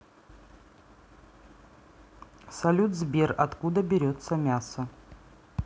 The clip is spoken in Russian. салют сбер откуда берется мясо